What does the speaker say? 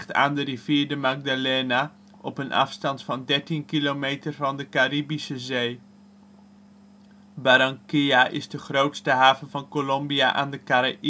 aan de rivier de Magdalena, op een afstand van 12,9 km van de Caraïbische Zee. Barranquilla is de grootste haven van Colombia aan de Caraïben